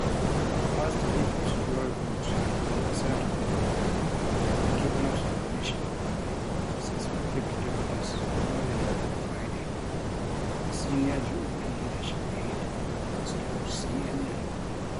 The first key procedural vote on the Senate floor on Kavanaugh's nomination is expected to take place no later than Friday, a senior GOP leadership aide has told CNN.